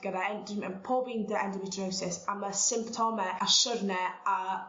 gyda end- drn- yym pob un 'dy endometriosis a ma' symptome a siwrne a